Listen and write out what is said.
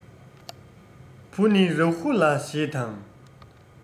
བུ ནི རཱ ཧུ ལ ཞེས དང